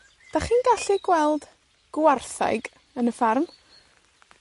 'Dach chi'n gallu gweld gwartheg yn y ffarm?